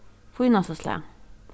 fínasta slag